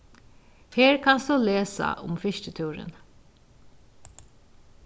her kanst tú lesa um fiskitúrin